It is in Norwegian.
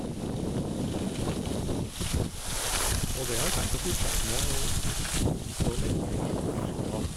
Og det har jeg tenkt å fortsette med så lenge jeg orker.